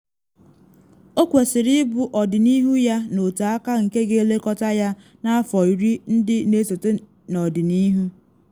Ọ kwesịrị ịbụ ọdịnihu ya n’oteaka nke ga-elekọta ya n’afọ iri ndị na esote n’ọdịnihu.